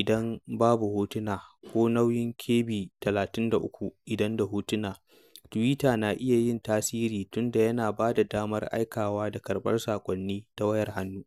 idan babu hotuna, ko nauyi na 33 kb idan da hotuna… Twitter na iya yin tasiri tunda yana ba ka damar aikawa da karɓar saƙwannni ta wayar hannu.